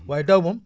waaye daaw moom